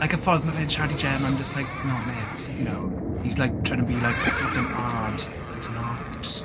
Like y ffordd mae fe'n siarad i Gemma. I'm just like "No mate." You know? He's like trying to be like, looking hard but he's not.